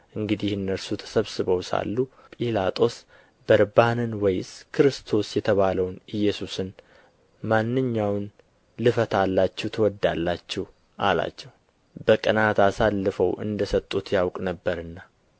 እንግዲህ እነርሱ ተሰብስበው ሳሉ ጲላጦስ በርባንን ወይስ ክርስቶስ የተባለውን ኢየሱስን ማንኛውን ልፈታላችሁ ትወዳላችሁ አላቸው በቅንዓት አሳልፈው እንደ ሰጡት ያውቅ ነበርና